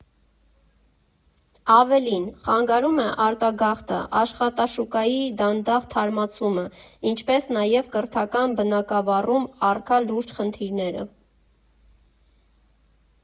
Ավելին, խանգարում է արտագաղթը, աշխատաշուկայի դանդաղ թարմացումը, ինչպես նաև կրթական բնագավառում առկա լուրջ խնդիրները։